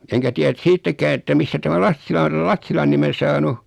enkä tiedä et siitäkään että mistä tämä Lassila on tämän Lassilan nimen saanut